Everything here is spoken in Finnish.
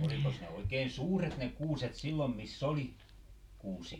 olikos ne oikein suuret ne kuuset silloin missä oli kuusi